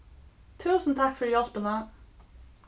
túsund takk fyri hjálpina